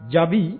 Jaabi